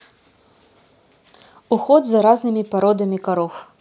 уход за разными породами коров